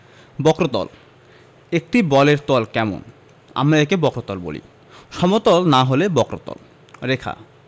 বক্রতলঃ একটি বলের তল কেমন আমরা একে বক্রতল বলি সমতল না হলে বক্রতল রেখাঃ